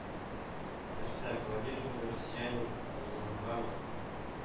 Нәрсә, клонированный россиянин булдырыргамы